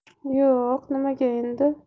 yo' o'q nimaga endi